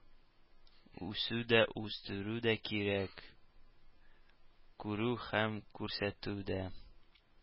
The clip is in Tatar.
Үсү дә үстерү дә кирәк, күрү һәм күрсәтү дә.